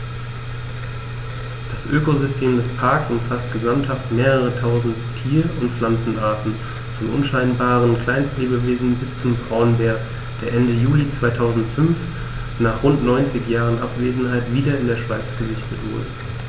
Das Ökosystem des Parks umfasst gesamthaft mehrere tausend Tier- und Pflanzenarten, von unscheinbaren Kleinstlebewesen bis zum Braunbär, der Ende Juli 2005, nach rund 90 Jahren Abwesenheit, wieder in der Schweiz gesichtet wurde.